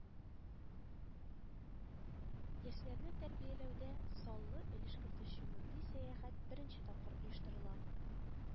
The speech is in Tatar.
Яшьләрне тәрбияләүдә саллы өлеш кертүче мондый сәяхәт беренче тапкыр оештырыла